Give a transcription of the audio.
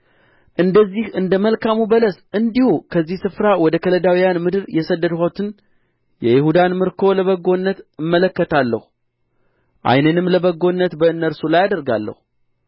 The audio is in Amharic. እንደዚህ እንደ መልካሙ በለስ እንዲሁ ከዚህ ስፍራ ወደ ከለዳውያን ምድር የሰደድሁትን የይሁዳን ምርኮ ለበጐነት እመለከተዋለሁ ዓይኔንም ለበጐነት በእነርሱ ላይ አደርጋለሁ